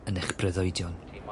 yn eich breuddwydion.